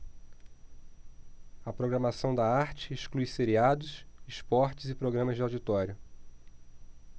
a programação da arte exclui seriados esportes e programas de auditório